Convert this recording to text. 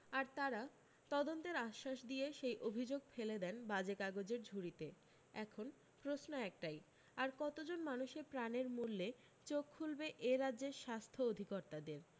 আর তাঁরা তদন্তের আশ্বাস দিয়ে সেই অভি্যোগ ফেলে দেন বাজে কাগজের ঝুড়িতে এখন প্রশ্ন একটাই আর কতজন মানুষের প্রাণের মূল্যে চোখ খুলবে এ রাজ্যের স্বাস্থ্য অধিকর্তাদের